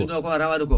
ko heddino ko rawade ko